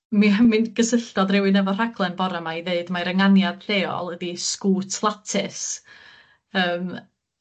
mi mi gysylltodd rywun efo'r rhaglen bore 'ma i ddweud mai'r ynganiad lleol ydi Sgwt Latys yym.